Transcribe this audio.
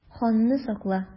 Ханны сакла!